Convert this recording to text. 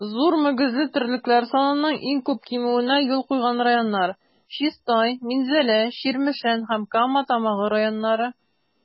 Эре мөгезле терлекләр санының иң күп кимүенә юл куйган районнар - Чистай, Минзәлә, Чирмешән һәм Кама Тамагы районнары.